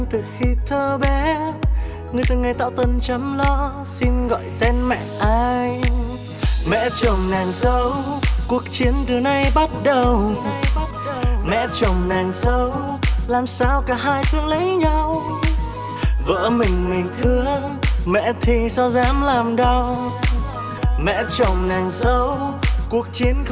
từ khi thơ bé người từng ngày tảo tần chăm lo xin gọi tên mẹ anh mẹ chồng nàng dâu cuộc chiến từ này bắt đầu mẹ chồng nàng dâu làm sao cả hai thương lấy nhau vợ mình mình thương mẹ thì sao dám làm đau mẹ chồng nàng dâu cuộc chiến